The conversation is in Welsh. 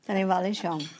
'dan ni'n falush iawn.